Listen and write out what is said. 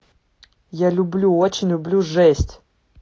я люблю очень люблю жесть